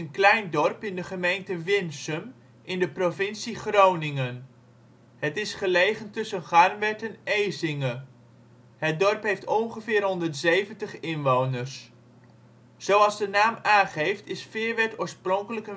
klein dorp in de gemeente Winsum in de provincie Groningen. Het is gelegen tussen Garnwerd en Ezinge. Het dorp heeft ongeveer 170 inwoners. Zoals de naam aangeeft is Feerwerd oorspronkelijk